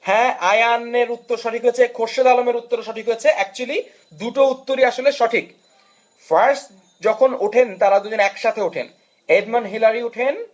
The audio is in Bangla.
হ্যাঁ আয়ানের উত্তর সঠিক হয়েছে খসরুল আলম এর উত্তর সঠিক হয়েছে অ্যাকচুয়ালি দুটো উত্তরই আসলে সঠিক ফাস্ট যখন ওঠেন তারা দুজন একসাথে ওঠেন এডমন্ড হিলারি উঠেন